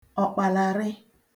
ọ̀kpàlàrị